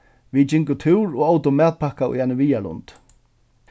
vit gingu túr og ótu matpakka í eini viðarlund